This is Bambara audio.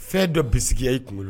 Fɛn dɔ bisimila y' kunkolo